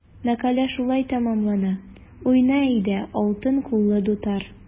Мәкалә шулай тәмамлана: “Уйна, әйдә, алтын кыллы дутар!"